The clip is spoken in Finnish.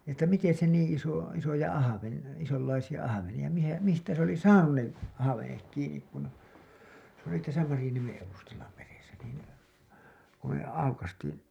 että miten se niin iso isoja - isonlaisia ahvenia missä mistä se oli saanut ne ahvenet kiinni kun se oli tässä Marjaniemen edustalla meressä niin kun me aukaistiin